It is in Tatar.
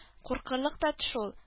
Куркырлык та шул: